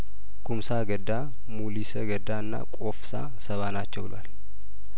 ኩምሳ ገዳሙ ሊሰገዳ እና ቆፍሳሰባ ናቸው ብሏል